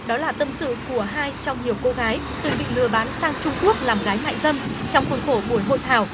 đó là tâm sự của hai trong nhiều cô gái từng bị lừa bán sang trung quốc làm gái mại dâm trong khuôn khổ buổi hội thảo